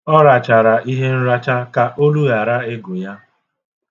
Ọ rachara ihe nracha ka olu ghara ịgụ ya.